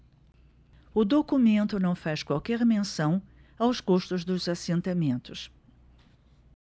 o documento não faz qualquer menção aos custos dos assentamentos